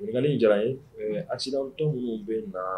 In jara ye a sinatɔn minnu bɛ na